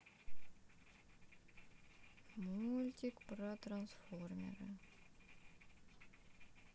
мультики про трансформеры